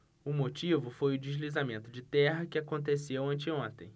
o motivo foi o deslizamento de terra que aconteceu anteontem